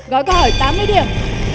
gói câu hỏi tám mươi điểm